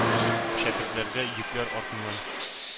Шәкертләргә йөкләр артыннан